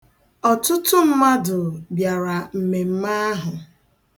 Ọtụtụ mmadụ bịara mmemme ahụ.